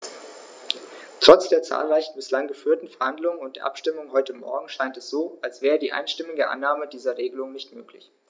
Trotz der zahlreichen bislang geführten Verhandlungen und der Abstimmung heute Morgen scheint es so, als wäre die einstimmige Annahme dieser Regelung nicht möglich.